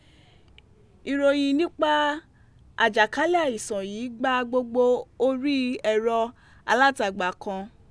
Ìròyìn nípa àjàkálẹ̀ àìsàn yìí ń gba gbogbo orí ẹrọ alátagbà kan